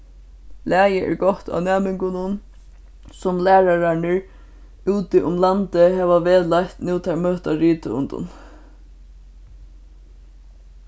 lagið er gott á næmingunum sum lærararnir úti um landið hava vegleitt nú teir møta rithøvundum